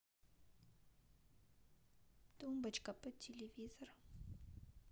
тумбочка под телевизор